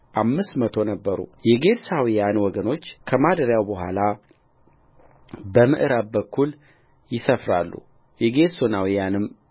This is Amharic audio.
አምስት መቶ ነበሩየጌድሶናውያን ወገኖች ከማደሪያው በኋላ በምዕራብ ብኩል ይሰፍራሉየጌድሶናውያንም